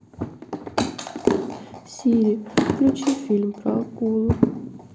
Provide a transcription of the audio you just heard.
сири включи фильм про акулу